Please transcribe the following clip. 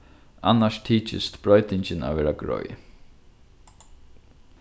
annars tykist broytingin at vera greið